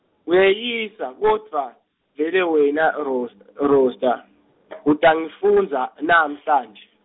Uyeyisa, kodvwa, vele wena, Ros- Rosta , utangifundza, lamhlanje.